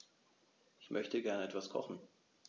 Ich möchte gerne etwas kochen.